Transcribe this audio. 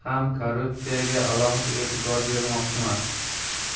ham korrupsiyaga alohida etibor bermoqchiman